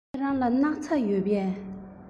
ཁྱེད རང ལ སྣག ཚ ཡོད པས